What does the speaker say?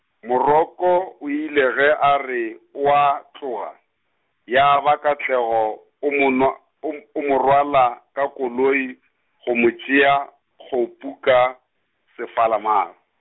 Moroko o ile ge a re o a tloga, ya ba Katlego o mo nwa, o m-, o mo rwala, ka koloi, go mo tšea kgopu ka, sefala mma.